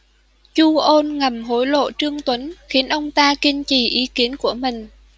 chu ôn ngầm hối lộ trương tuấn khiến ông ta kiên trì ý kiến của mình